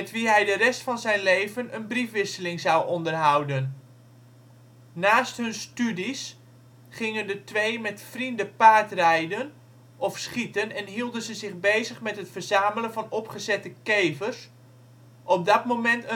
wie hij de rest van zijn leven een briefwisseling zou onderhouden. Naast hun studies gingen de twee met vrienden paardrijden of schieten en hielden ze zich bezig met het verzamelen van opgezette kevers, op dat moment